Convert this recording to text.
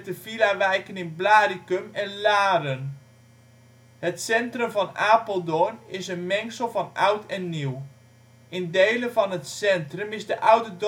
villawijken in Blaricum en Laren (het Gooi). Het centrum van Apeldoorn is een mengsel van oud en nieuw. In delen van het centrum is de oude